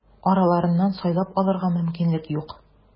Араларыннан сайлап алырга мөмкинлек юк.